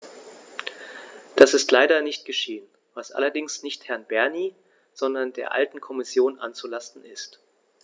Das ist leider nicht geschehen, was allerdings nicht Herrn Bernie, sondern der alten Kommission anzulasten ist.